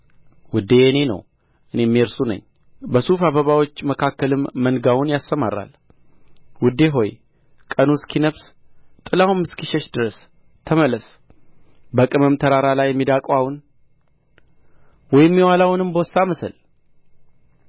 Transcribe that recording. ውዴ የእኔ ነው እኔም የእርሱ ነኝ በሱፍ አበባዎች መካከልም መንጋውን ያሰማራል ውዴ ሆይ ቀኑ እስኪነፍስ ጥላውም እስኪሸሽ ድረስ ተመለስ በቅመም ተራራ ላይ ሚዳቋውን ወይም የዋላውን እምቦሳ ምሰል